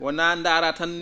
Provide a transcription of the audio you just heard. wonaa ndaaraa tan